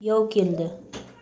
yov keldi